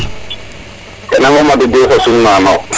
kon Mamadou Diouf a simna nuun